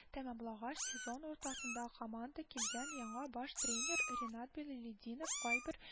Тәмамлагач, сезон уртасында командага килгән яңа баш тренер ринат билалетдинов кайбер